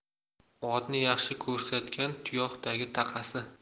otni yaxshi ko'rsatgan tuyoqdagi taqasi